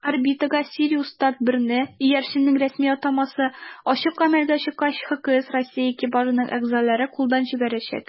Орбитага "СириусСат-1"ны (иярченнең рәсми атамасы) ачык галәмгә чыккач ХКС Россия экипажының әгъзалары кулдан җибәрәчәк.